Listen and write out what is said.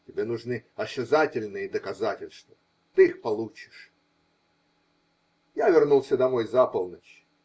Тебе нужны осязательные доказательства? Ты их получишь. Я вернулся домой за полночь.